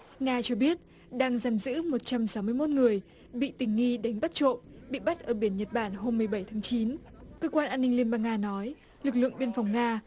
nga cho biết đang giam giữ một trăm sáu mươi mốt người bị tình nghi đánh bắt trộm bị bắt ở biển nhật bản hôm mười bẩy tháng chín cơ quan an ninh liên bang nga nói lực lượng biên phòng nga